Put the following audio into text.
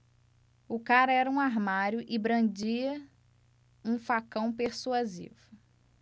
o cara era um armário e brandia um facão persuasivo